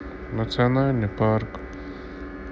национальный парк